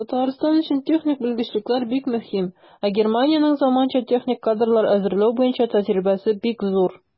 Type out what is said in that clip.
Татарстан өчен техник белгечлекләр бик мөһим, ә Германиянең заманча техник кадрлар әзерләү буенча тәҗрибәсе бик зур.